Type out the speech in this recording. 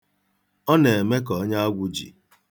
Ọ na-eme ka onye agwụ ji.